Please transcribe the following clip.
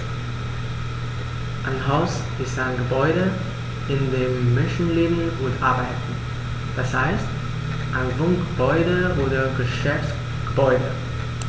Ein Haus ist ein Gebäude, in dem Menschen leben oder arbeiten, d. h. ein Wohngebäude oder Geschäftsgebäude.